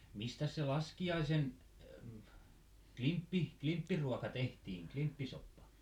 mistäs se laskiaisen - klimppiruoka tehtiin klimppisoppa